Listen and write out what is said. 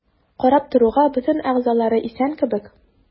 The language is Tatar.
Карап торуга бөтен әгъзалары исән кебек.